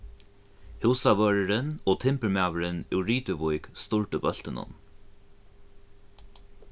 húsavørðurin og timburmaðurin úr rituvík stýrdi bóltinum